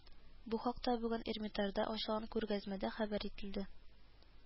Бу хакта бүген Эрмитажда ачылган күргәзмәдә хәбәр ителде